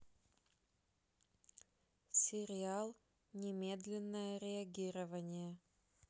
сериал немедленное реагирование